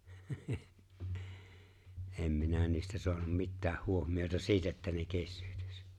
en minä niistä saanut mitään huomiota siitä että ne kesyyntyisi